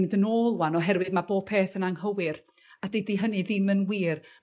mynd yn ôl 'wan oherwydd ma' bob peth yn anghywir. A didi hynny ddim yn wir